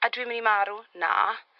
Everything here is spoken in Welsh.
ydw i myn' i marw? Na.